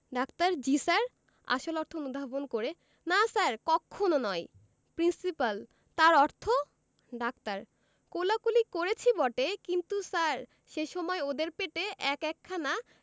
doctor জ্বী sir আসল অর্থ অনুধাবন করে না স্যার কক্ষণো নয় প্রিন্সিপাল তার অর্থ ডাক্তার কোলাকুলি করেছি বটে কিন্তু স্যার সে সময় ওদের পেটে এক একখানা